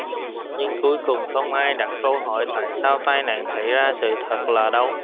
nhưng cuối cùng không ai đặt câu hỏi tại sao tai nạn xảy ra sự thật là đâu